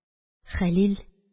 Хәлил